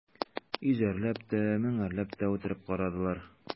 Йөзәрләп тә, меңәрләп тә үтереп карадылар.